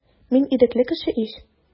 Мин ирекле кеше ич.